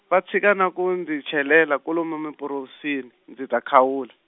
va tshika na ku dyi chelela kwalomu mimporosini, dyi ta khawula.